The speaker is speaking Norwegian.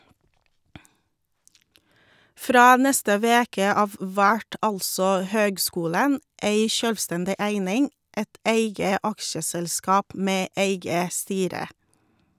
Frå neste veke av vert altså høgskulen ei sjølvstendig eining, eit eige aksjeselskap med eige styre.